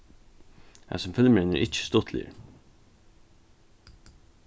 hasin filmurin er ikki stuttligur